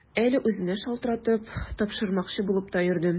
Әле үзенә шалтыратып, тапшырмакчы булып та йөрдем.